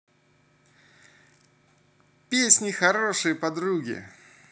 песни хорошие подруги